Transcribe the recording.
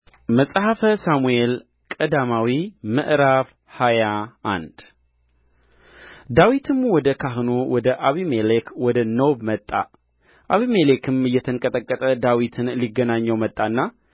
መጽሐፈ ሳሙኤል ቀዳማዊ ምዕራፍ ሃያ አንድ ዳዊትም ወደ ካህኑ ወደ አቢሜሌክ ወደ ኖብ መጣ አቢሜሌክም እየተንቀጠቀጠ ዳዊትን ሊገናኘው መጣና